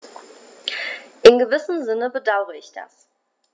In gewissem Sinne bedauere ich das.